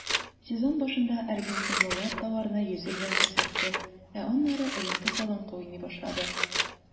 Сезон башында аргентинлылар тауарны йөзе белән күрсәтте, ә аннары эленке-салынкы уйный башлады.